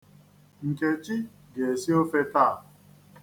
Nkechi ga-esi ofe taa.